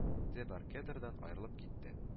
Дебаркедардан аерылып китте